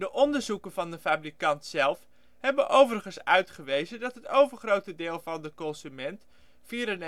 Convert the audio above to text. onderzoeken ' van de fabrikant zelf hebben overigens uitgewezen dat het overgrote deel van de consumenten (94 %